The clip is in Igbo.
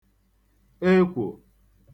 ekwò